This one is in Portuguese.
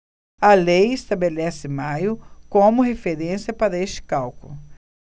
a lei estabelece maio como referência para este cálculo